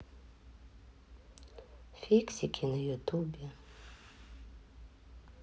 фиксики на ютубе